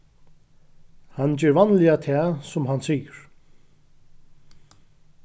hann ger vanliga tað sum hann sigur